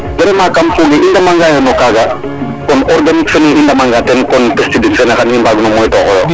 Vraiment kaam foog ee i ndamangaayo no kaaga kon organique fene i ndamanga teen kon pesticide xan i mbaagin o moytoox.